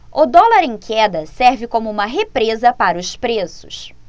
o dólar em queda serve como uma represa para os preços